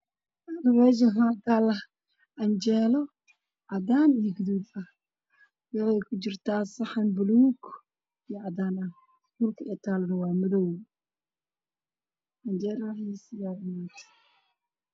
Meeshaan waxaa taalo canjeelo cadaan iyo gaduud ah, waxay kurtaa saxan buluug iyo madow ah dhulka ay taalo waa madow.